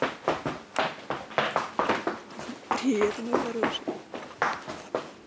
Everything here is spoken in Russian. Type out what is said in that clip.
привет мой хороший